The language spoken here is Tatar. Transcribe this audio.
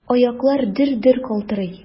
Аяклар дер-дер калтырый.